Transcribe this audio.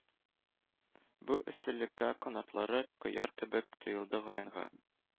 Бу эсселеккә канатлары көяр кебек тоелды Гаянга.